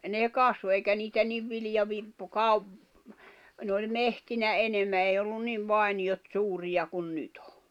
ne kasvoi eikä niitä niin - ne oli metsinä enemmän ei ollut niin vainiot suuria kuin nyt on